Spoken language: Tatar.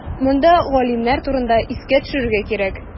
Монда галимнәр турында искә төшерергә кирәк.